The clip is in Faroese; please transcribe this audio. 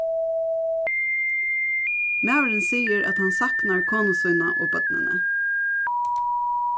maðurin sigur at hann saknar konu sína og børnini